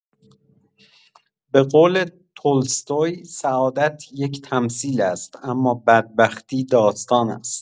به قول تولستوی سعادت یک تمثیل است، اما بدبختی داستان است.